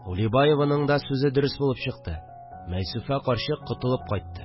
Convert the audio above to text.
Улибаеванын да сүзе дөрес булып чыкты: Мәйсүфә карчык котылып кайтты